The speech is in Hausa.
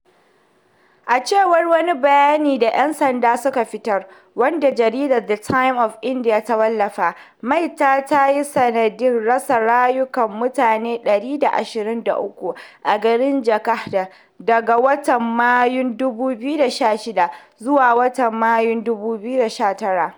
A cewar wani bayani da 'yan sanda suka fitar wanda jaridar The Times of India ta wallafa, maita ta yi sanadin rasa rayukan mutane 123 a garin Jharkhand daga watan Mayun 2016 zuwa watan Mayun 2019.